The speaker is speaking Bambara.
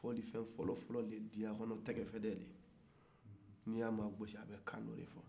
diɲɛ kɔnɔ fɔlifɛn fɔlɔ tun ye tɛgɛ de ye i b'a gosi ɲɔgɔna a bɛ manka dɔ bɔ